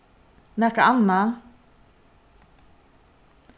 nakað annað